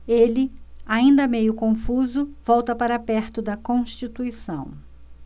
ele ainda meio confuso volta para perto de constituição